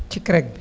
ci CREC bi